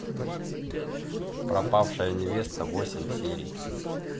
пропавшая невеста восемь серий